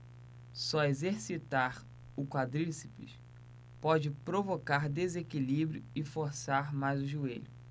só exercitar o quadríceps pode provocar desequilíbrio e forçar mais o joelho